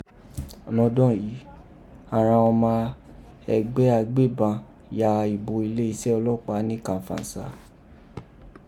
Nọdọ́n yìí, àghan ọma ẹgbẹ agbéban ya bò ileeṣẹ ọlọpaa ni Kàfàǹṣà.